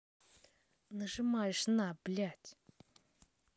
нажимаешь на блядь